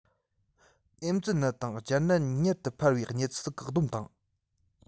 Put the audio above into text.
ཨེ ཙི ནད དང སྦྱར ནད མྱུར དུ འཕར བའི གནས ཚུལ བཀག སྡོམ དང